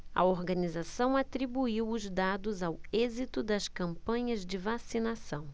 a organização atribuiu os dados ao êxito das campanhas de vacinação